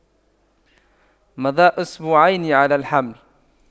مضى اسبوعين على الحمل